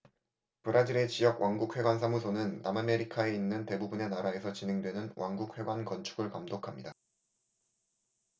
브라질의 지역 왕국회관 사무소는 남아메리카에 있는 대부분의 나라에서 진행되는 왕국회관 건축을 감독합니다